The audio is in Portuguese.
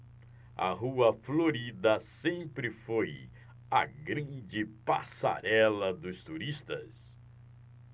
a rua florida sempre foi a grande passarela dos turistas